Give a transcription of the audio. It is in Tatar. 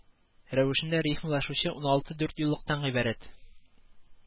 Рәвешендә рифмалашучы уналты дүртьюллыктан гыйбарәт